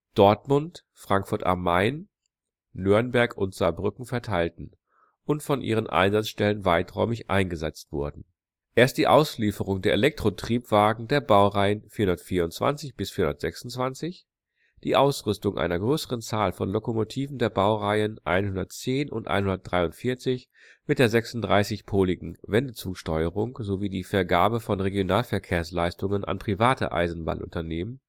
Dortmund, Frankfurt/M, Nürnberg und Saarbrücken verteilten und von ihren Einsatzstellen weiträumig eingesetzt wurden. Erst die Auslieferung der Elektrotriebwagen der Baureihen 424-426, die Ausrüstung einer größeren Zahl von Lokomotiven der Baureihen 110 und 143 mit der 36poligen Wendezugsteuerung sowie die Vergabe von Regionalverkehrsleistungen an private Eisenbahnunternehmen